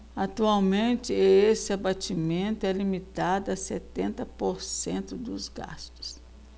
atualmente esse abatimento é limitado a setenta por cento dos gastos